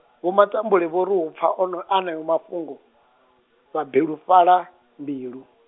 Vho Matambule vho ri u pfa ono aneo mafhungo, vha bilufhala, mbilu.